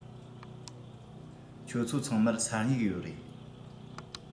ཁྱོད ཚོ ཚང མར ས སྨྱུག ཡོད རེད